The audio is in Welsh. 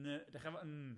N- dechra efo- n-.